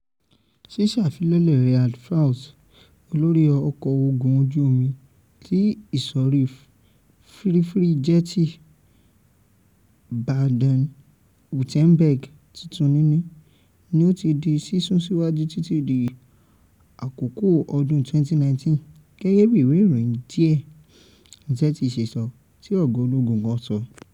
Síṣàfilọ́lẹ̀ "Rheinland-Pfalz," olórí ọkọ̀ ogun ojú omi tí ìsọ̀rí fírígéètì Baden-Wuerttemberg tuntun nini, ni ó ti di sísún ṣíwájú títi di ìdájì àkọ́kọ́ ọdún 2019, gẹ́gẹ́bi ìwé ìròyìn Die Zeit ṣe sọ tí ọgá ológun kan sọ.